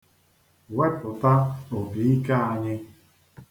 Wepụta opiike anyị.